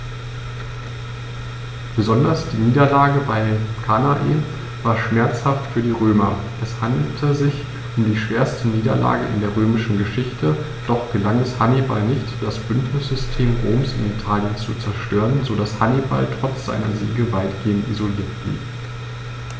Besonders die Niederlage bei Cannae war schmerzhaft für die Römer: Es handelte sich um die schwerste Niederlage in der römischen Geschichte, doch gelang es Hannibal nicht, das Bündnissystem Roms in Italien zu zerstören, sodass Hannibal trotz seiner Siege weitgehend isoliert blieb.